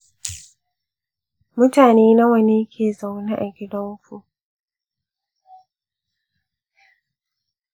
mutane nawa ne ke zaune a gidan ku